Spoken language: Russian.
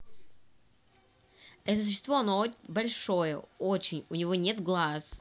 это существо оно большое очень у него нет глаз